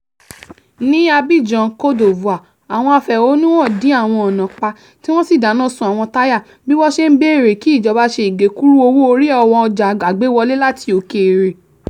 Ní Abidjan, Cote d'Ivoire, àwọn afẹ̀hónúhàn dí àwọn ọ̀nà pa tí wọ́n sì dáná sun àwọn táyà, bí wọ́n ṣe ń bèèrè kí ìjọba ṣe ìgékúrú owó-orí àwọn ọjà àgbéwọlé láti òkèèrè.